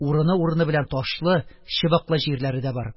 Урыны-урыны белән ташлы, чыбыклы җирләре дә бар.